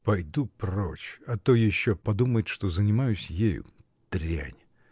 — Пойду прочь, а то еще подумает, что занимаюсь ею. дрянь!